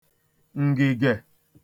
ǹgìgè